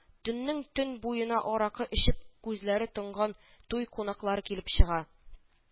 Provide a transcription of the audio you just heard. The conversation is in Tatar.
Төннең-төн буена аракы эчеп күзләре тонган туй кунаклары килеп чыга